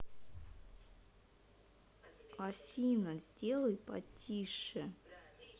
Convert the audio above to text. афина сделай потише